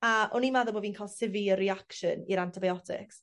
A o'n i'n meddwl bo' fi'n ca'l severe reaction i'r antibiotocs.